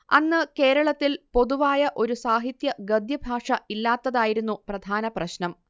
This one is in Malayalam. അന്ന് കേരളത്തിൽ പൊതുവായ ഒരു സാഹിത്യ ഗദ്യഭാഷ ഇല്ലാത്തതായിരുന്നു പ്രധാന പ്രശ്നം